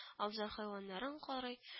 Абзар хайваннарын карый